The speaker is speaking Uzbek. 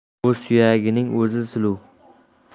o'z suyganing o'zingga suluv